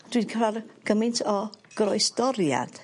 Dwi 'di cyfarfo gymaint o groes doriad